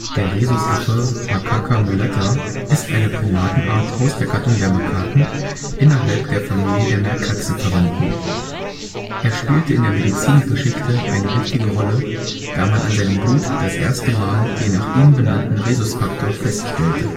Der Rhesusaffe (Macaca mulatta) ist eine Primatenart aus der Gattung der Makaken innerhalb der Familie der Meerkatzenverwandten. Er spielte in der Medizingeschichte eine wichtige Rolle, da man an seinem Blut das erste Mal den nach ihm benannten Rhesusfaktor feststellte